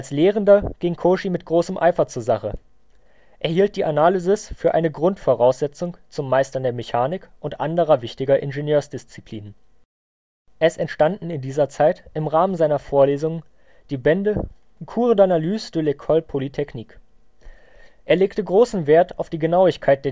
Lehrender ging Cauchy mit großem Eifer zur Sache. Er hielt die Analysis für eine Grundvoraussetzung zum Meistern der Mechanik und anderer wichtiger Ingenieursdisziplinen. Es entstanden in dieser Zeit im Rahmen seiner Vorlesungen die Bände Cours d’ analyse de l’ École Polytechnique. Er legte großen Wert auf die Genauigkeit